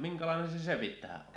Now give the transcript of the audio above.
minkälainen se se pitää olla